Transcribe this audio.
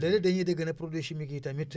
léeg-léeg dañuy dégg ne produits chimique yi tamit